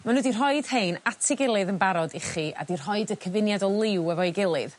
ma' n'w 'di rhoid 'hein at 'i gilydd yn barod i chi a 'di rhoid y cyfuniad o liw efo'i gilydd.